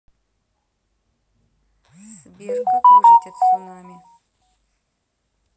сбер как выжить от цунами